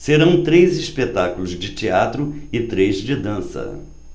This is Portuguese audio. serão três espetáculos de teatro e três de dança